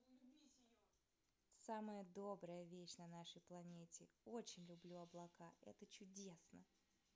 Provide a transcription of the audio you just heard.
самая добрая вещь в нашей планете очень люблю облака это чудесно